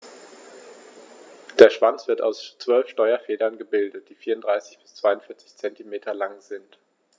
Der Schwanz wird aus 12 Steuerfedern gebildet, die 34 bis 42 cm lang sind.